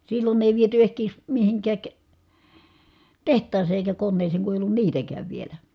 silloin ei viety ehkiedes mihinkään tehtaaseen eikä koneeseen kun ei ollut niitäkään vielä